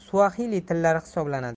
suaxili tillari hisoblanadi